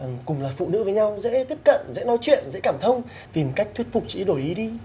cùng là phụ nữ với nhau dễ tiếp cận dễ nói chuyện dễ cảm thông tìm cách thuyết phục chị ý đổi ý đi